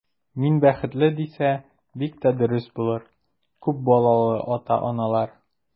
Мин бәхетле, дисә, бик тә дөрес булыр, күп балалы ата-аналар.